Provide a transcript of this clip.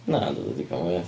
Na, ond oedd o'n ddigon oedd.